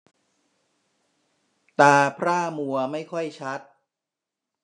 ตาพร่ามัวไม่ค่อยชัด